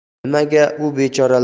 nimaga u bechoralarning